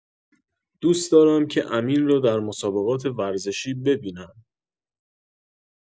دوست دارم که امین را در مسابقات ورزشی ببینم؛